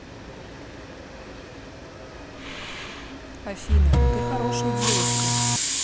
афина ты хорошая девушка